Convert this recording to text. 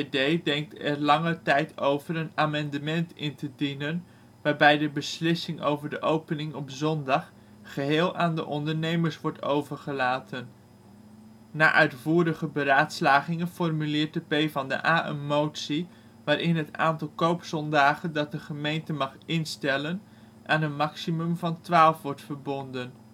De VVD denkt er lange tijd over een amendement in te dienen waarbij de beslissing over de opening op zondag geheel aan de ondernemers wordt overgelaten. Na uitvoerige beraadslagingen formuleert de PvdA een motie waarin het aantal koopzondagen dat een gemeente mag instellen aan een maximum van 12 wordt verbonden